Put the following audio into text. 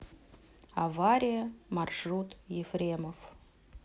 авария маршрут ефремов